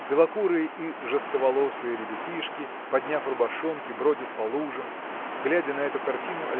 Белокурые и жестковолосые ребятишки подняв рубашонки бродят по лужам. Глядя на эту картину